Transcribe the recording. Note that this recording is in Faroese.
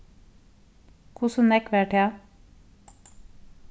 hvussu nógv var tað